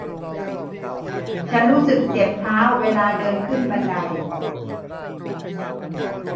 ฉันรู้สึกเจ็บเท้าเวลาเดินขึ้นบันได